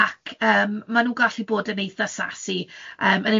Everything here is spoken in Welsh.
ac yym ma' nhw'n gallu bod yn eitha' sassy, yym yn